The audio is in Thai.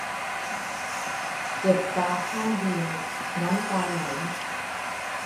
เจ็บตาข้างเดียวน้ำตาไหล